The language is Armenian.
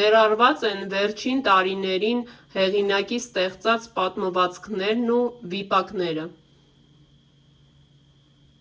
ներառված են վերջին տարիներին հեղինակի ստեղծած պատմվածքներն ու վիպակները։